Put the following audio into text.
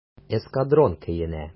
"эскадрон" көенә.